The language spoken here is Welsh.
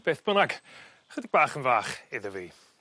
...beth bynnag. Chydig bach yn fach iddo fi.